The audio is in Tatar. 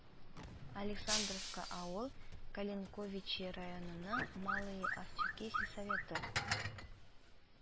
Александровка авыл, Калинковичи районының Малые Автюки сельсоветы